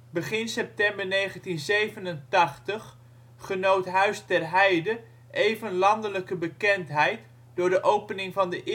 Begin september 1987 genoot Huis ter Heide even landelijke bekendheid door de opening van de